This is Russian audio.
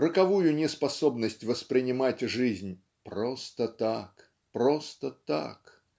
роковую неспособность воспринимать жизнь "просто так просто так"